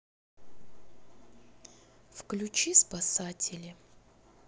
включи спасатели